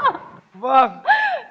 vâng